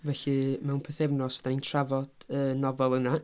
Felly, mewn pythefnos dan ni'n trafod y nofel yna.